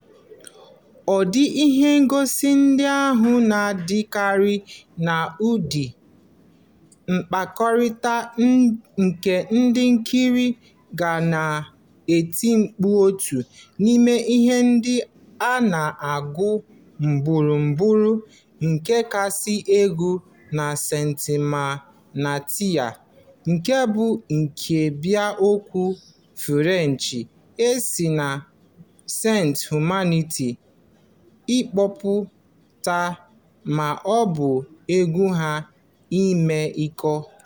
Ụdị ihe ngosi ndị ahụ na-adịkarị n'ụdị mkpakọrịta, nke ndị nkiri ga na-eti mkpu otu n'ime ihe ndị a na-agụ ugboro ugboro, nke a kasị agụ bụ "Santimanitay!" , nke bụ nkebiokwu Fụrenchị e si na "sans humanité” kepụta, ma ọ bụ "enweghị ọmiiko" .